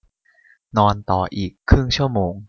นอนต่ออีกครึ่งชั่วโมง